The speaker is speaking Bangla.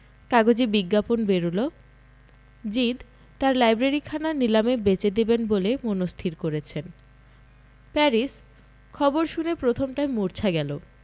কাগজে বিজ্ঞাপন বেরল জিদ তাঁর লাইব্রেরিখানা নিলামে বেচে দেবেন বলে মনস্থির করেছেন প্যারিস খবর শুনে প্রথমটায় মুর্ছা গেল